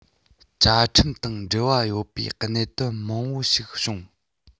བཅའ ཁྲིམས དང འབྲེལ བ ཡོད པའི གནད དོན མང པོ ཞིག བྱུང